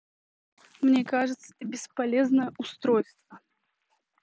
мне кажется ты бесполезное устройство